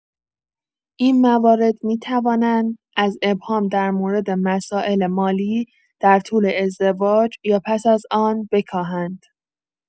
این موارد می‌توانند از ابهام در مورد مسائل مالی در طول ازدواج یا پس از آن بکاهند.